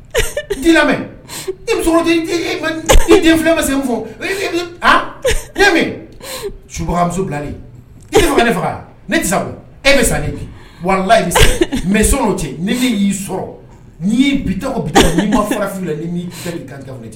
Ii lamɛn i sɔrɔ den filɛ bɛ se fɔ sumuso bila e ne faga ne tɛ sa e bɛ sa wala i mɛ sɔn tɛ ne se y'i sɔrɔ n'i bi o bɛ ma fi nii bɛ kan tɛ